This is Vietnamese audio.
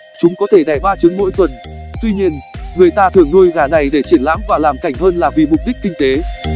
chúng có thể đẻ trứng mỗi tuần tuy nhiên người ta thường nuôi gà này để triển lãm và làm cảnh hơn là vì mục đích kinh tế